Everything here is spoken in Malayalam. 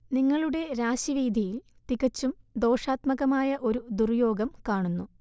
നിങ്ങളുടെ രാശിവീഥിയിൽ തികച്ചും ദോഷാത്മകമായ ഒരു ദുർയോഗം കാണുന്നു